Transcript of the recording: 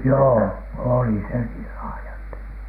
joo oli se niin laaja että